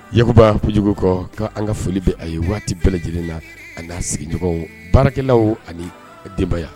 Yba kojugu kɔ k'an ka foli bɛ a ye waati bɛɛ lajɛlen na a'a sigiɲɔgɔn baarakɛlawlaw ani denbaya